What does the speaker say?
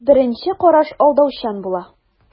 Беренче караш алдаучан була.